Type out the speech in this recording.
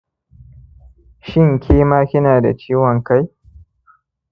shin kema kinada ciwon-kai